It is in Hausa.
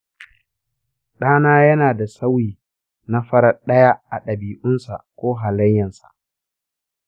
ɗana yana da sauyi na farat ɗaya a dabi'unsa ko halayensa.